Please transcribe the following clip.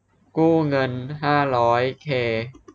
กู้เงินห้าร้อยเค